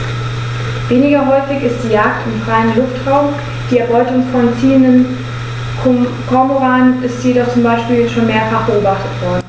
Weniger häufig ist die Jagd im freien Luftraum; die Erbeutung von ziehenden Kormoranen ist jedoch zum Beispiel schon mehrfach beobachtet worden.